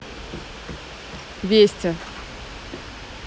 вести